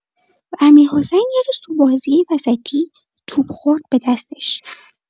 و امیرحسین، یه روز تو بازی وسطی، توپ خورد به دستش.